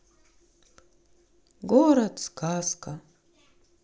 город сказка